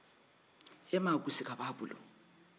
e m'a gosi ka bɔ a bolo